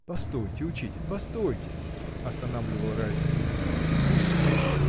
— Постойте, учитель, постойте! — останавливал Райский. — Пустите!